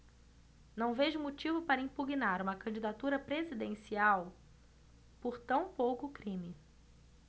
não vejo motivo para impugnar uma candidatura presidencial por tão pouco crime